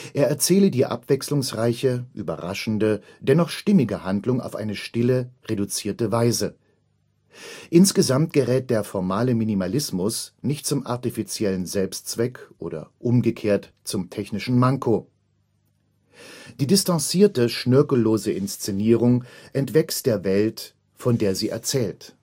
erzähle die abwechslungsreiche, überraschende dennoch stimmige Handlung auf eine stille, reduzierte Weise. „(...) insgesamt gerät der formale Minimalismus nicht zum artifiziellen Selbstzweck oder umgekehrt zum technischen Manko. Die distanzierte, schnörkellose Inszenierung entwächst der Welt, von der sie erzählt